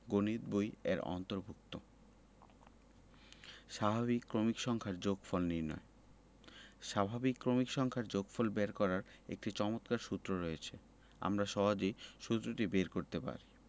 গণিত বই-এর অন্তর্ভুক্ত স্বাভাবিক ক্রমিক সংখ্যার যোগফল নির্ণয় স্বাভাবিক ক্রমিক সংখ্যার যোগফল বের করার একটি চমৎকার সূত্র রয়েছে আমরা সহজেই সুত্রটি বের করতে পারি